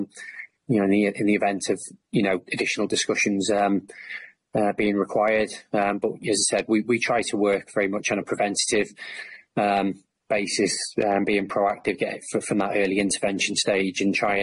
um you know in the i- in the event of you know additional discussions um er being required um but as I said we we try to work very much on a preventative um basis um being proactive ge- f- from that early intervention stage and try